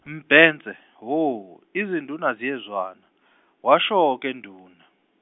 Mbhense hho izinduna ziyezwana, washo ke nduna.